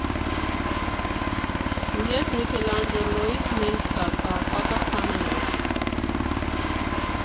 Ու ես Միքելանջելոյից մեյլ ստացա՝ պատասխանել էր։